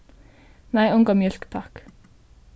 nei onga mjólk takk